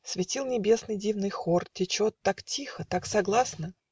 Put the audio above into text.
Светил небесных дивный хор Течет так тихо, так согласно.